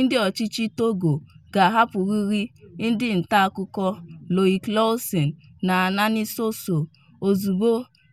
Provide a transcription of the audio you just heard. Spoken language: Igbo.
Ndị ọchịchị Togo ga-ahapụrịrị ndị ntaakụkọ Loïc Lawson na Anani Sossou ozugbo